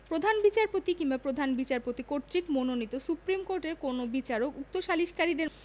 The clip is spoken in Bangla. প্রধান বিচারপত কিংবা প্রধান বিচারপতি কর্তৃক মানোনীত সুপ্রীম কোর্টের কোন বিচারক উক্ত সালিসকারীদের